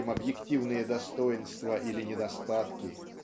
чем объективные достоинства или недостатки.